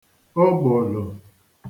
ogbòlò